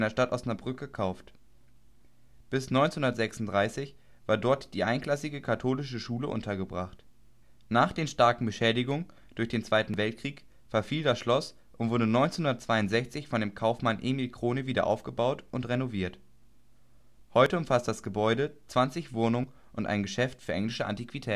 Stadt Osnabrück gekauft. Bis 1936 war dort die einklassige katholische Schule untergebracht. Nach den starken Beschädigungen durch den zweiten Weltkrieg, verfiel das Schloss und wurde 1962 von dem Kaufmann Emil Krone wieder aufgebaut und renoviert. Heute umfasst das Gebäude 20 Wohnungen und ein Geschäft für englische Antiquitäten